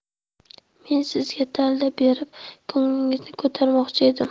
men sizga dalda berib ko'nglingizni ko'tarmoqchi edim